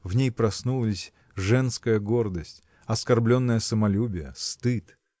В ней проснулись женская гордость, оскорбленное самолюбие, стыд.